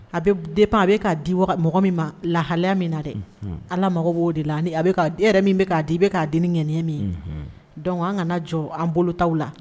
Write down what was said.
A bɛ den pan a bɛ k'a di mɔgɔ min ma lahaya min na dɛ ala mago b'o de la a yɛrɛ min k'a di i bɛ k'a di ni ɲ ye min dɔnku an kana jɔ an bolo t la